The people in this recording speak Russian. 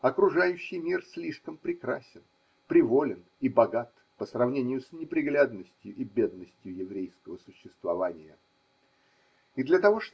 Окружающий мир слишком прекрасен, приволен и богат по сравнению с неприглядностью и бедностью еврейского существования: и для того.